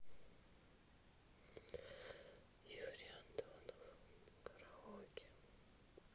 юрий антонов караоке